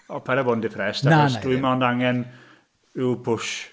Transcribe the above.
O, paid â bod yn depressed... Na, wna i ddim... Dwi mond angen, ryw push.